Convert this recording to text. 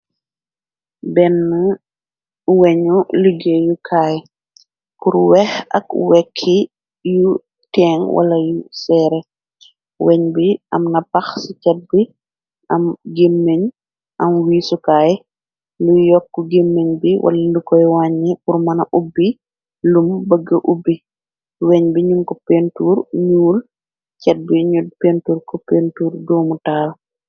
Benn weñu liggéeyu kaay kur weex ak wekki yu teng wala yu seere weñ bi am na pax ci cat bi am girmeñ am wii sukaay luy yokk gimmeñ bi wala indu koy wàññe kur mëna ubbi lum bëgge ubbi weñ bi ñun ko pentur ñuul cet bi ñu pentur ko pentur doomu taal.